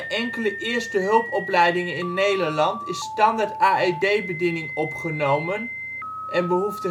enkele eerstehulp opleidingen in Nederland is standaard AED-bediening opgenomen en behoeft